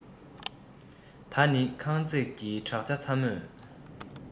ད ནི ཁང བརྩེགས ཀྱི བྲག ཅ ཚ མོས